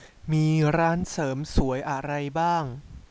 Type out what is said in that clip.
มีร้านเสริมสวยอะไรบ้าง